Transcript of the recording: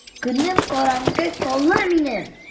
Көнем караңгы кала минем!